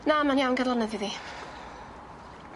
Na ma'n iawn gad lonydd iddi.